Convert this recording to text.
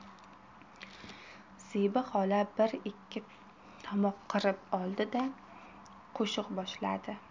zebi xola bir ikki tomoq qirib oldi da qo'shiq boshladi